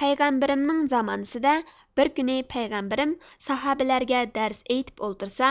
پەيغەمبىرىمنىڭ زامانىسىدە بىر كۈنى پەيغەمبىرىم ساھابىلەرگە دەرس ئېيتىپ ئولتۇرسا